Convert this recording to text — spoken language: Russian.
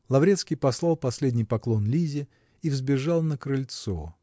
Лаврецкий послал последний поклон Лизе и взбежал на крыльцо.